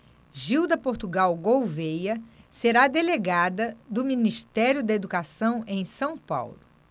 gilda portugal gouvêa será delegada do ministério da educação em são paulo